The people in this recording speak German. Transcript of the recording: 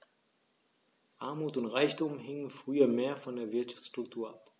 Armut und Reichtum hingen früher mehr von der Wirtschaftsstruktur ab.